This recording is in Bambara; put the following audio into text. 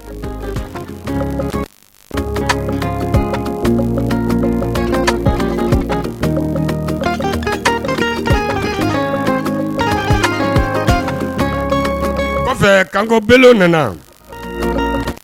Wa kɔfɛ kankob nana